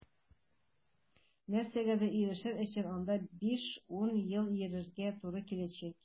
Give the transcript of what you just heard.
Нәрсәгәдер ирешер өчен анда 5-10 ел йөгерергә туры киләчәк.